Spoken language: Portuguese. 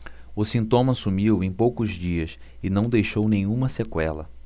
o sintoma sumiu em poucos dias e não deixou nenhuma sequela